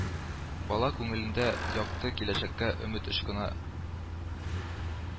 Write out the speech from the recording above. Бала күңелендә якты киләчәккә өмет очкына